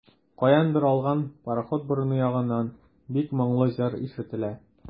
Каяндыр алдан, пароход борыны ягыннан, бик моңлы җыр ишетелә.